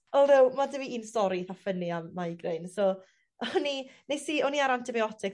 Although ma' 'dy fi un stori itha fynny am migraines so o'n i nes i o'n i ar antibiotics